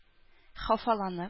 Хафаланып